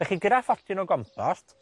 Felly gyda photyn o gompost,